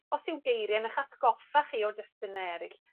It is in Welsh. os yw geirie yn 'ych atgoffa chi o destune eryll,